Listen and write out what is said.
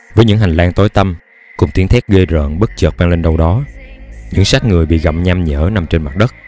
với những hành lang tối tăm cùng tiếng thét ghê rợn bất chợt vang lên đâu đó những xác người bị gặm nham nhở nằm trên mặt đất